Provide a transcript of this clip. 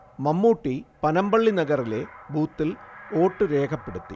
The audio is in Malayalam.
മമ്മൂട്ടി പനമ്പള്ളി നഗറിലെ ബൂത്തിൽ വോട്ട് രേഖപ്പെടുത്തി